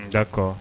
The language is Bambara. D'accord